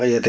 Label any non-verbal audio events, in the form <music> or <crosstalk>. <hesitation> <hesitation>